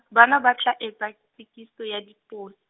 bana ba tla etsa tokiso ya diphos-.